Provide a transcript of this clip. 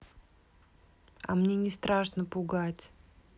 а мне не страшно пугать